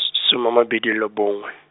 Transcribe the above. s- soma a mabedi le bongwe.